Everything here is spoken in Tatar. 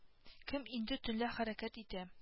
Кем инде төнлә хәрәкәт итә